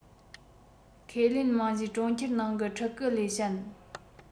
ཁས ལེན རྨང གཞིའི གྲོང ཁྱེར ནང གི ཕྲུ གུ ལས ཞན